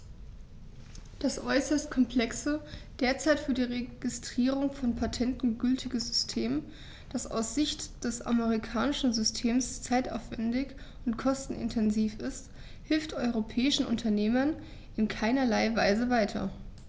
Das äußerst komplexe, derzeit für die Registrierung von Patenten gültige System, das aus Sicht des amerikanischen Systems zeitaufwändig und kostenintensiv ist, hilft europäischen Unternehmern in keinerlei Weise weiter.